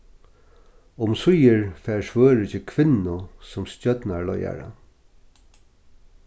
umsíðir fær svøríki kvinnu sum stjórnarleiðara